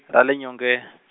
ra le nyonge-.